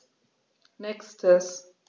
Nächstes.